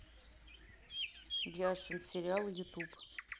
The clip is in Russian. яшин сериал ютуб